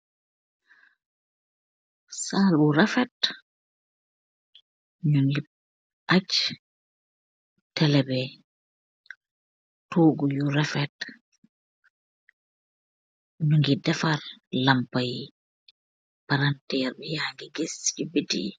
Saalll bu rafet, nju ngi ajjj tele bii, togu yu rafet, nju ngi defarr lampah yii, palanterr bi yangy gis chi biti.